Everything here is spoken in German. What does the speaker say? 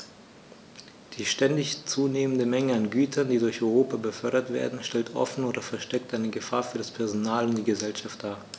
Die ständig zunehmende Menge an Gütern, die durch Europa befördert werden, stellt offen oder versteckt eine Gefahr für das Personal und die Gesellschaft dar.